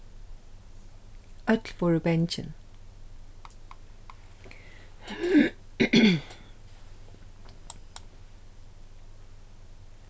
øll vóru bangin